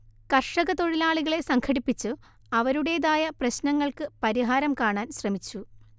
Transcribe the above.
കർഷകതൊഴിലാളികളെ സംഘടിപ്പിച്ചു അവരുടേതായ പ്രശ്നങ്ങൾക്ക് പരിഹാരം കാണാൻ ശ്രമിച്ചു